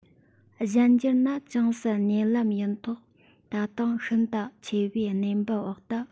གཞན འགྱུར ནི ཅུང ཟད ཉེ ལམ ཡིན ཐོག ད དུང ཤིན ཏུ ཆེ བའི གནས བབ འོག ཏུ